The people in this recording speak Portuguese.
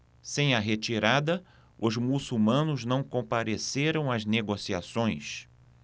sem a retirada os muçulmanos não compareceram às negociações